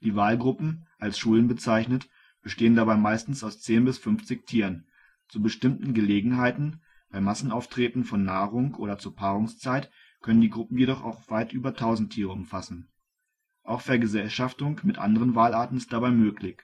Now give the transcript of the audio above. Walgruppen, als Schulen bezeichnet, bestehen dabei meistens aus 10 bis 50 Tieren, zu bestimmten Gelegenheiten (bei Massenauftreten von Nahrung oder zur Paarungszeit) können die Gruppen jedoch auch weit über 1.000 Tiere umfassen. Auch Vergesellschaftung mit anderen Walarten ist dabei möglich